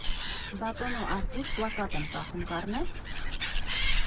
Բատոնո Արտուշ, պլակատ եմ ծախում, կառնե՞ս։